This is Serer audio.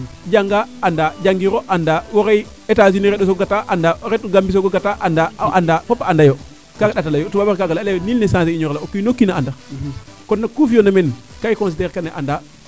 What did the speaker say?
jangaa anda jagiro andaa waxey Etats Unies ree'o sogo gata andaa ret u Gambie soogo gata andaa o anda fopa anda yo kaga ndata leyu toubab a leye a leye nul n' est sencer o kiino kiin a anda kon nak ku fiyona meen ka i considerer kane anda